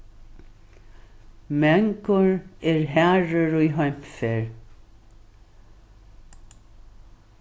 mangur er harður í heimferð